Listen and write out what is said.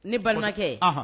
Ne bakɛ